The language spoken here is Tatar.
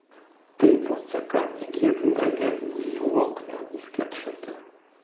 “три толстяка” әкиятендәге суокны искә төшерде.